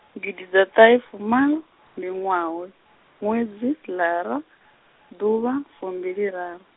gidiḓaṱahefumalo, ndi ṅwaha hoyu, ṅwedzi, lara, ḓuvha, fumbiliraru.